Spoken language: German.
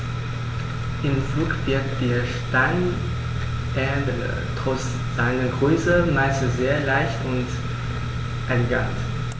Im Flug wirkt der Steinadler trotz seiner Größe meist sehr leicht und elegant.